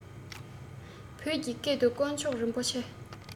བོད ཀྱི སྐད དུ དཀོན མཆོག རིན པོ ཆེ